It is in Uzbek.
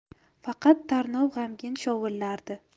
faqat tarnov g'amgin shovullardi